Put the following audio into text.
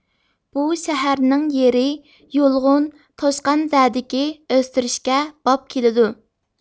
بۇ شەھەرنىڭ يېرى يۇلغۇن توشقانزەدىكى ئۆستۈرۈشكە باب كېلىدۇ